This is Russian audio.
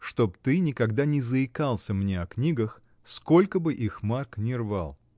— Чтоб ты никогда не заикался мне о книгах, сколько бы их Марк ни рвал.